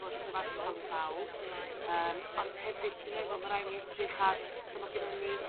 fod yn gyfartal i bawb yym ond hefyd dwi'n meddwl ma' rai' ni edrych ar t'o' ma' ginnon ni